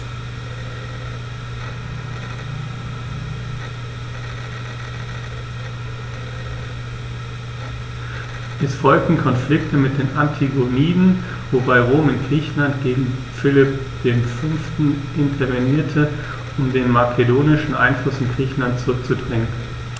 Es folgten Konflikte mit den Antigoniden, wobei Rom in Griechenland gegen Philipp V. intervenierte, um den makedonischen Einfluss in Griechenland zurückzudrängen.